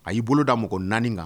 A y'i bolo da mɔgɔ naani kan